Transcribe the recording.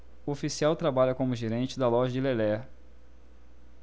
o oficial trabalha como gerente da loja de lelé